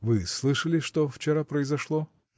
-- Вы слышали, что вчера произошло?